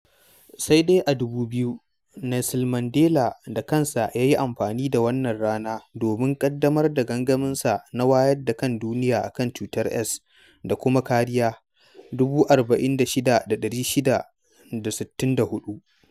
Sai dai a 2000, Nelson Mandela da kansa ya yi amfani da wannan rana domin ƙaddamar gangaminsa na wayar da kan duniya a kan cutar Es da kuma kariya, 46664.